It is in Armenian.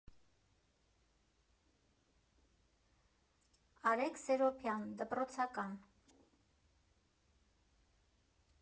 Արեգ Սերոբյան, դպրոցական։